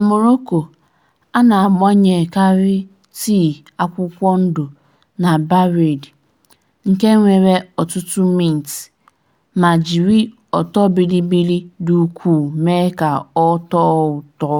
Na Morocco, a na-agbanyekarị tii akwụkwọ ndụ na berrad (Teapot Moroccan) nke nwere ọtụtụ mịnt (na'na') ma jiri ọtọbịrịbịrị dị ukwuu mee ka ọ tọọ ụtọ.